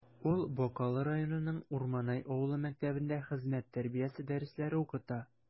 Ул Бакалы районының Урманай авылы мәктәбендә хезмәт тәрбиясе дәресләре укыта.